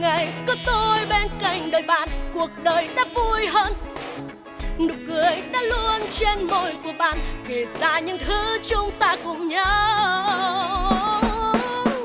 từ ngày có tôi bên cạnh đời bạn cuộc đời đã vui hơn nụ cười đã luôn trên môi của bạn kể ra những thứ chúng ta cùng nhau